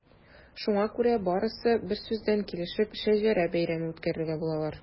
Шуңа күрә барысы берсүздән килешеп “Шәҗәрә бәйрәме” үткәрергә булалар.